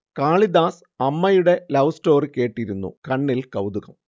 കാളിദാസ് അമ്മയുടെ love story കേട്ടിരുന്നു കണ്ണിൽ കൗതുകം